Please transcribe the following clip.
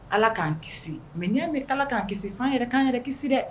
Ala k'an kisi mɛa mɛn ala k'an kisi fan yɛrɛ k'an yɛrɛ kisi dɛ